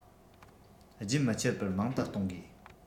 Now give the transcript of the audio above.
རྒྱུན མི ཆད པར མང དུ གཏོང དགོས